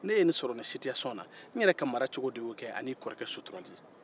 n'e ye ne sɔrɔ ni sitiyasiyɔn na n yɛrɛ ka mara n'i kɔrɔ suturali de y'o kɛ